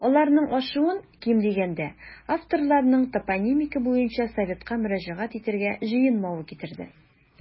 Аларның ачуын, ким дигәндә, авторларның топонимика буенча советка мөрәҗәгать итәргә җыенмавы китерде.